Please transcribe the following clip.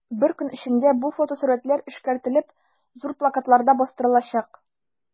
Бер көн эчендә бу фотосурәтләр эшкәртелеп, зур плакатларда бастырылачак.